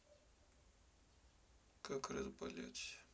как разболеться